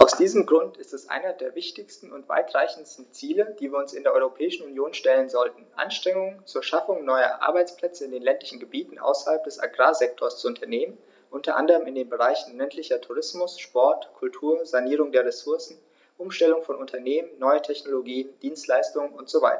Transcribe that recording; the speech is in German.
Aus diesem Grund ist es eines der wichtigsten und weitreichendsten Ziele, die wir uns in der Europäischen Union stellen sollten, Anstrengungen zur Schaffung neuer Arbeitsplätze in den ländlichen Gebieten außerhalb des Agrarsektors zu unternehmen, unter anderem in den Bereichen ländlicher Tourismus, Sport, Kultur, Sanierung der Ressourcen, Umstellung von Unternehmen, neue Technologien, Dienstleistungen usw.